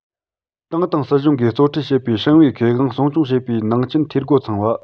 ཏང དང སྲིད གཞུང གིས གཙོ ཁྲིད བྱེད པའི ཞིང པའི ཁེ དབང སྲུང སྐྱོང བྱེད པའི ནང རྐྱེན འཐུས སྒོ ཚང བ